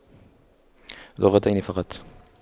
لغتين فقط